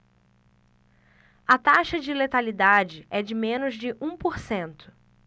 a taxa de letalidade é de menos de um por cento